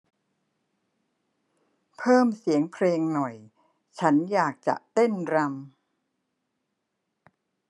เพิ่มเสียงเพลงหน่อยฉันอยากจะเต้นรำ